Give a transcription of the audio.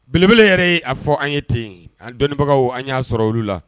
Belebele yɛrɛ a fɔ an ye ten an dɔnniibagaw an y'a sɔrɔ olu la